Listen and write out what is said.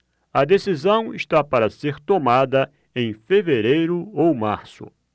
a decisão está para ser tomada em fevereiro ou março